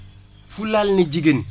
fulaal na jigéen